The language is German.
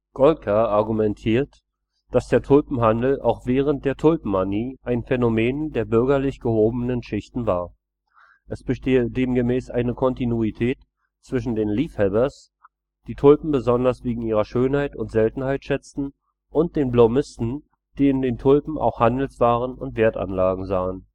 Goldgar argumentiert, dass der Tulpenhandel auch während der Tulpenmanie ein Phänomen der bürgerlich-gehobenen Schichten war. Es bestehe demgemäß eine Kontinuität zwischen den liefhebbers, die Tulpen besonders wegen ihrer Schönheit und Seltenheit schätzten, und den bloemisten, die in den Tulpen auch Handelswaren und Wertanlagen sahen